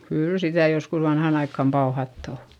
kyllä sitä joskus vanhaan aikaan pauhattu on